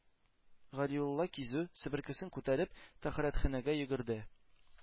Галиулла кизү, себеркесен күтәреп, тәһарәтханәгә йөгерде.